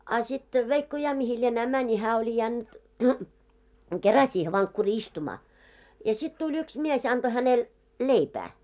a sitten veikko ja mihin lienee meni hän oli jäänyt kerran siihen vankkuriin istumaan ja sitten tuli yksi mies antoi hänelle leipää